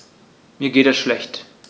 Mir geht es schlecht.